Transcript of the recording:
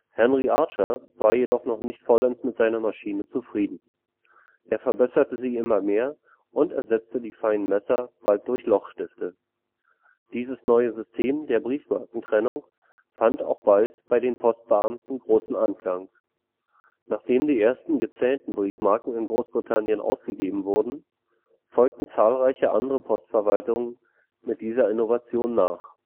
Henry Archer war jedoch noch nicht vollends mit seiner Maschine zufrieden. Er verbesserte sie immer mehr und ersetzte die feinen Messer bald durch Lochstifte. Dieses neue System der Briefmarkentrennung fand bald auch bei den Postbeamten großen Anklang. Nachdem die ersten gezähnten Briefmarken in Großbritannien ausgegeben wurden, folgten zahlreiche andere Postverwaltungen mit dieser Innovation nach